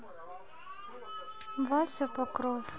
вася покров